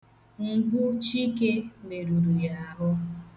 Ngwu Chike meruru ya ahụ.